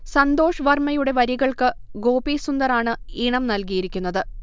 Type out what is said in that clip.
സന്തോഷ് വർമയുടെ വരികൾക്ക് ഗോപീ സുന്ദറാണ് ഈണം നൽകിയിരിക്കുന്നത്